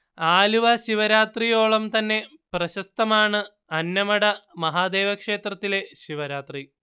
ആലുവ ശിവരാത്രിയോളം തന്നെ പ്രശസ്തമാണ് അന്നമട മഹാദേവ ക്ഷേത്രത്തിലെ ശിവരാത്രി